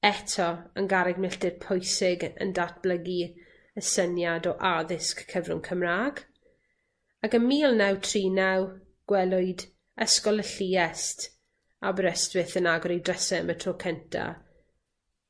Eto yn garreg milltir pwysig y- yn datblygu y syniad o addysg cyfrwng Cymra'g ac ym mil naw tri naw gwelwyd ysgol y Lluest Aberystwyth yn agor ei dryse am y tro cynta